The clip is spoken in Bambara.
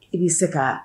I bɛ se ka